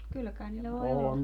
kyllä kai niillä voi olla